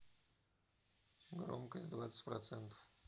громкость двадцать процентов